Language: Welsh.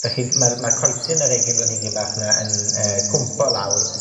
Felly, ma'r ma'r coesyn yr egin blanhigyn bach 'na yn yy cwmpo lawr,